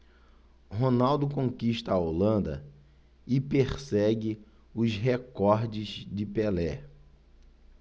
ronaldo conquista a holanda e persegue os recordes de pelé